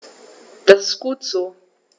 Das ist gut so.